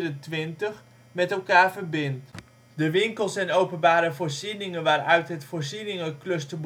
N224 - met elkaar verbindt. De winkels en openbare voorzieningen waaruit het Voorzieningencluster